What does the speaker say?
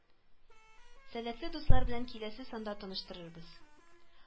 Сәләтле дуслар белән киләсе санда таныштырырбыз